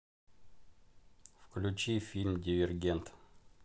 включи фильм дивергент